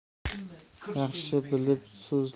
yaxshi bilib so'zlar